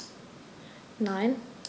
Nein.